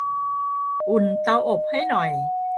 อุ่นเตาอบให้หน่อย